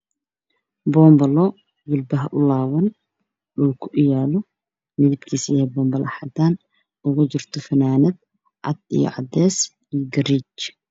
Waa banbalo midabkiisu yahay caddaan waxaa ku jirta fanaanad cadaan iyo caddeys isugu jirto